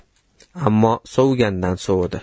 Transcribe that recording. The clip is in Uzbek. havo sovigandan sovidi